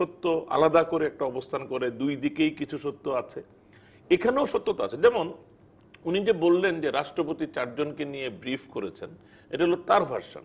সত্য আলাদা করে একটা অবস্থান করে দুই দিকেই কিছু সত্য আছে কোন সত্যতা আছে যেমন উনি যে বললেন যে রাষ্ট্রপতি চারজনকে নিয়ে ব্রিফ করেছেন এটা হল তার ভার্শন